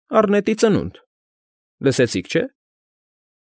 Առնետի ծնունդ… Լսեցիք, չէ՞։